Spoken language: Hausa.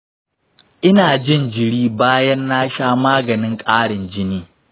ina jin jiri bayan na sha maganin ƙarin jini.